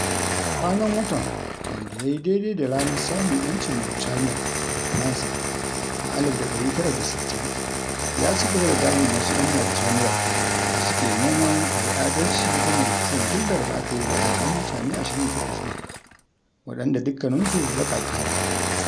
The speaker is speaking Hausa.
Kwanan watan, wanda ya yi daidai da ranar samun 'yancin Mauritaniya daga Faransa a 1960, ya cigaba da damun wasu 'yan Mauritaniyar da suke neman a yi adalci game da kisan gillar da aka yi wa waɗannan mutane 28 ɗin, waɗanda dukkaninsu baƙaƙe ne.